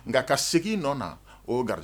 Nka ka segin nɔ na o gari